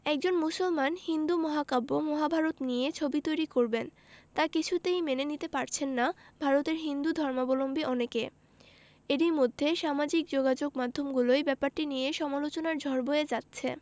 একজন মুসলমান হিন্দু মহাকাব্য মহাভারত নিয়ে ছবি তৈরি করবেন তা কিছুতেই মেনে নিতে পারছেন না ভারতের হিন্দুধর্মাবলম্বী অনেকে এরই মধ্যে সামাজিক যোগাযোগমাধ্যমগুলোয় ব্যাপারটি নিয়ে সমালোচনার ঝড় বয়ে যাচ্ছে